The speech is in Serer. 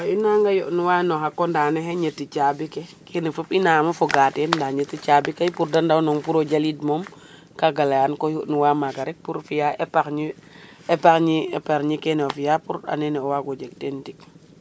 inanga yoɗ nuwa naxa coɗane xe nieti cabi ke kene fop na ngamo foga ten nda nieti cabi ke pour de ndaw nong pour o jalid kaga leyan ko yond nuwa maga rek pour fiya épargne épargne kene o fiya pour année o wago jeg teen tig